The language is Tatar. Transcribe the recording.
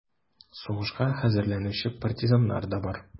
Сугышка хәзерләнүче партизаннар да бар: